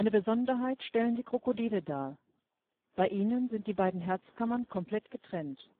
Besonderheit stellen die Krokodile dar, bei ihnen sind die beiden Herzkammern komplett getrennt